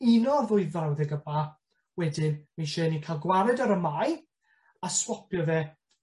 uno ddwy frawddeg yba wedyn ma' isie i ni ca'l gwared ar y mae a swopio fe